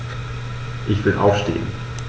Ich will aufstehen.